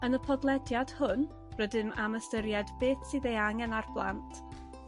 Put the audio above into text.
Yn y podlediad hwn rydym am ystyried beth sydd ei angen a'r blant